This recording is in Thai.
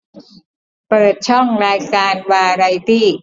เปิดช่องรายการวาไรตี้